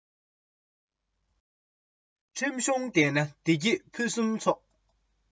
ཁྲིམས འགོ ནོན ན བསམ དོན ལྷུན གྱིས འགྲུབ